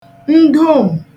ndom̀